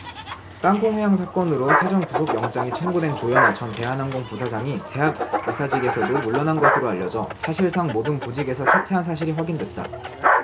땅콩 회항 사건으로 사전 구속영장이 청구된 조현아 전 대한항공 부사장이 대학 이사직에서도 물러난 것으로 알려져 사실상 모든 보직에서 사퇴한 사실이 확인됐다